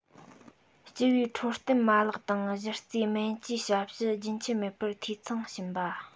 སྤྱི པའི འཕྲོད བསྟེན མ ལག དང གཞི རྩའི སྨན བཅོས ཞབས ཞུ རྒྱུན ཆད མེད པར འཐུས ཚང ཕྱིན པ